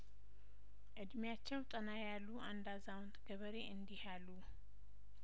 እድሜዎቻቸው ጠና ያሉ አንድ አዛውንት ገበሬ እንዲህ አሉ